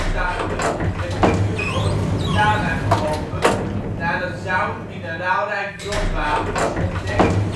kuuroord Fontana geopend nadat zout mineraalrijk bronwater was ontdekt op